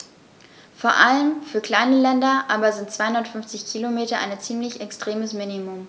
Vor allem für kleine Länder aber sind 250 Kilometer ein ziemlich extremes Minimum.